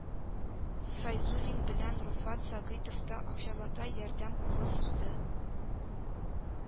Фәйзуллин белән Руфат Сәгыйтов та акчалата ярдәм кулы сузды